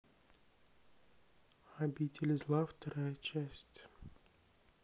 обитель зла вторая часть